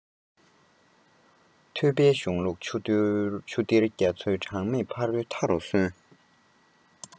ཐོས པའི གཞུང ལུགས ཆུ གཏེར རྒྱ མཚོའི གྲངས མེད ཕ རོལ མཐའ རུ སོན